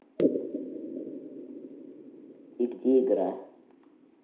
и где игра